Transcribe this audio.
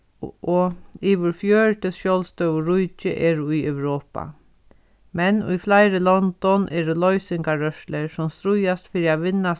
og yvir fjøruti sjálvstøðug ríki eru í europa men í fleiri londum eru loysingarrørslur sum stríðast fyri at vinna